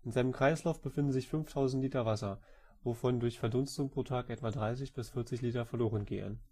seinem Kreislauf befinden sich 5.000 Liter Wasser, wovon durch Verdunstung pro Tag etwa 30 bis 40 Liter verloren gehen